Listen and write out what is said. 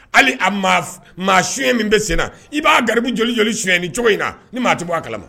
Hali a maa siɲɛ min bɛ senna i b'a garibuoli jɔli sɲɛ ni cogo in na ni maa tɛ bɔ a kala